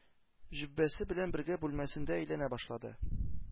Җөббәсе белән бергә бүлмәсендә әйләнә башлады.